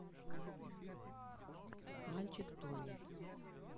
мальчик тонет